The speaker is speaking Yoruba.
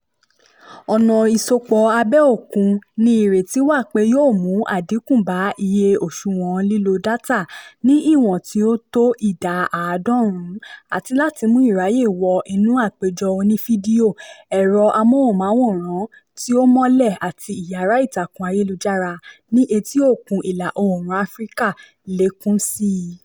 Ọ̀nà ìsopọ̀ abẹ́ òkun ni ìrètí wà pé yóò mú àdínkù bá iye òṣùwọ̀n lílo dátà ní ìwọ̀n tí ó tó ìdá àádọ́rùn-ún àti láti mú ìráyè wọ inú àpéjọ oní fídíò, ẹ̀rọ amọ́hùnmáwòrán tí ó mọ́lẹ̀ àti ìyára ìtàkùn ayélujára ní etí òkun ìlà oòrùn Áfíríkà lékún sí i.